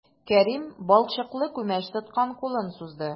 Кәрим балчыклы күмәч тоткан кулын сузды.